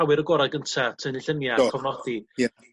awyr agora' gynta tynnu llunia... Do. ..a cofnodi. Ia.